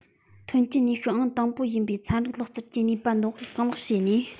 ཐོན སྐྱེད ནུས ཤུགས ཨང དང པོ ཡིན པའི ཚན རིག ལག རྩལ གྱི ནུས པ འདོན སྤེལ གང ལེགས བྱས ནས